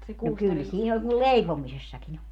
no kyllä siinä oli kun leipomisessakin on